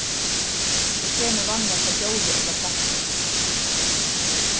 og kemur vanliga frá djóri ella plantu